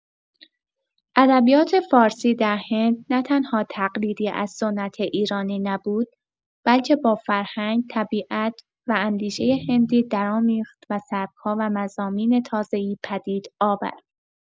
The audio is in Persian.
ادبیات فارسی در هند نه‌تنها تقلیدی از سنت ایرانی نبود، بلکه با فرهنگ، طبیعت و اندیشه هندی درآمیخت و سبک‌ها و مضامین تازه‌ای پدید آورد.